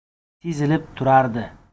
sezilib turardi